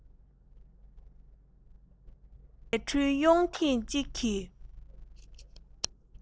རྫས འཕྲུལ གཡུགས ཐེངས གཅིག གིས